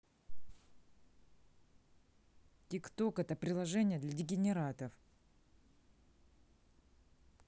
tiktok это приложение для дегенератов